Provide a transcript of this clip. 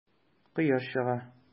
Кояш чыга.